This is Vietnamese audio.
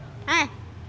này